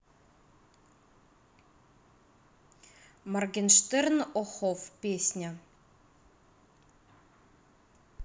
morgenshtern о hoff песня